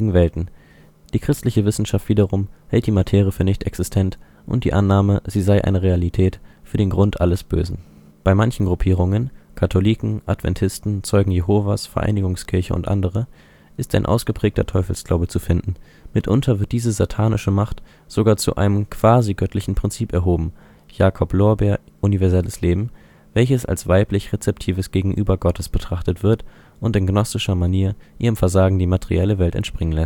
Welten. Die Christliche Wissenschaft wiederum hält die Materie für nicht existent und die Annahme, sie sei eine Realität, für den Grund alles Bösen. Bei manchen Gruppierungen (Katholiken, Adventisten, Zeugen Jehovas, Vereinigungskirche u.a.) ist ein ausgeprägter Teufelsglaube zu finden. Mitunter wird diese satanische Macht sogar zu einem quasi-göttlichen Prinzip erhoben (Jakob Lorber, Universelles Leben), welches als weiblich-rezeptives Gegenüber Gottes betrachtet wird und in gnostischer Manier ihrem Versagen die materielle Welt entspringen